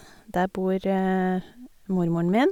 Der bor mormoren min.